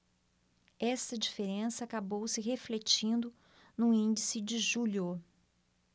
esta diferença acabou se refletindo no índice de julho